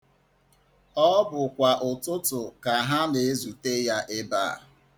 Ọ bụ kwa ụtụtụ ka ha na-ezute ya ebe a.